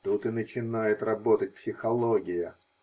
Тут и начинает работать психология.